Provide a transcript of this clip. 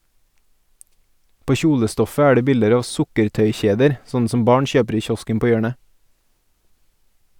På kjolestoffet er det bilder av sukkertøykjeder, sånne som barn kjøper i kiosken på hjørnet.